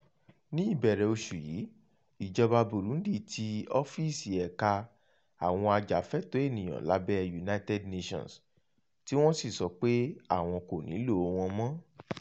Ní ìbẹ̀rẹ̀ oṣù yìí, ìjọba Burundi ti ọ́fíìsì ẹ̀ka àwọn ajàfẹ́tọ̀ọ́ ènìyàn lábẹ́ United Nations tí wọ́n sì sọ pé àwọn kò nílòo wọn mọ́.